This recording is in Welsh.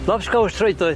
Lopsgows troednoeth.